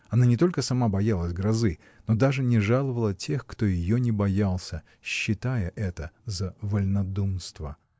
Она не только сама боялась грозы, но даже не жаловала тех, кто ее не боялся, считая это за вольнодумство.